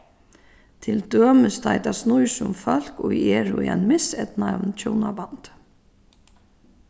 til dømis tá ið tað snýr seg um fólk ið eru í einum miseydnaðum hjúnabandi